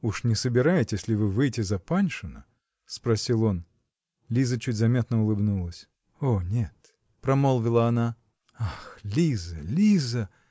-- Уж не собираетесь ли вы выйти за Паншина? -- спросил он. Лиза чуть заметно улыбнулась. -- О нет! -- промолвила она. -- Ах, Лиза, Лиза!